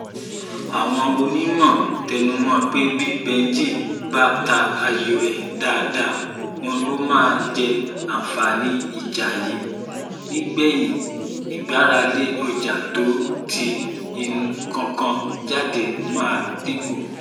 Àwọn onímọ̀ tẹnumọ pé bíi Beijing bá ta ayò ẹ̀ dáadáa, òun ló máa jẹ àǹfààní ìjà yí nígbẹ̀yìn. Ìgbáralé ọjà tó ń ti ìú kọ̀ọ̀kan jáde ma dínkù